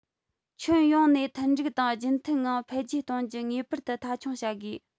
ཁྱོན ཡོངས ནས མཐུན འགྲིག དང རྒྱུན མཐུད ངང འཕེལ རྒྱས གཏོང རྒྱུ ངེས པར དུ མཐའ འཁྱོངས བྱ དགོས